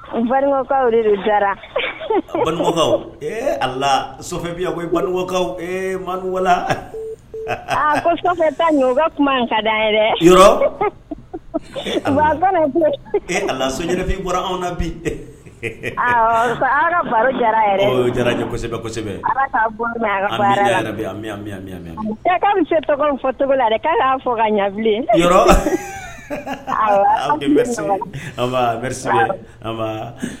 Bakaw jarakaw ala soyabankaw man bɛ kuma ka da yɛrɛ yɔrɔ ala so yɛrɛfin bɔra anw la bi baro jara jara tɔgɔ fɔ cogogo la ka fɔ ka ɲabilen